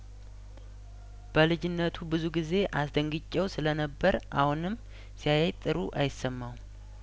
በልጅነቱ ብዙ ጊዜ አስደንግጬው ስለነበር አሁንም ሲያየኝ ጥሩ አይሰማውም